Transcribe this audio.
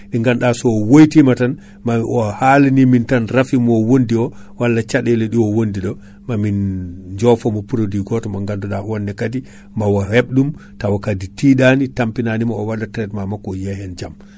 ɗi ganduɗa so woytima tan ma o halanimin tan rafi mo wondi o walla caɗele ɗi o wondi ɗo mamin jofomo prduit goto mo ganduɗa on ne kaadi ma o hebɗum tawa kaadi tiɗani tapinanimo o waɗa traitement makko o yiya hen jaam